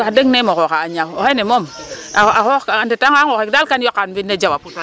wax deg neem o xooxaa a ñaaw oxene moom a xoox ka a ndetanga nqooxik daal kaam yoqaa mbind ne jawaa put ale.